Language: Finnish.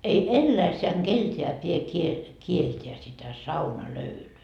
ei eläissään keneltäkään pidä - kieltää sitä saunalöylyä